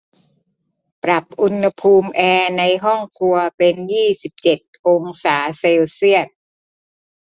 ปรับอุณหภูมิแอร์ในห้องครัวเป็นยี่สิบเจ็ดองศาเซลเซียส